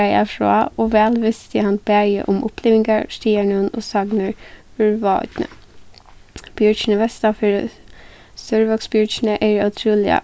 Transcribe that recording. greiða frá og væl visti hann bæði um upplivingar staðarnøvn og sagnir úr vágoynni bjørgini vestanfyri sørvágsbjørgini eru ótrúliga